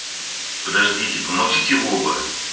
подождите помолчите оба